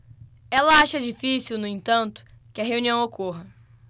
ele acha difícil no entanto que a reunião ocorra